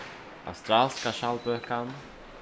australska skjaldbøkan